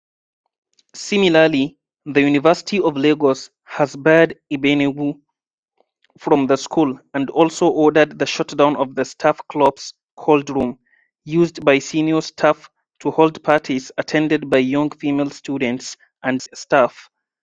Similarly, the University of Lagos has barred Igbeneghu from the school and also ordered the shutdown of the staff club’s "cold room", used by senior staff to hold parties attended by young female students and staff.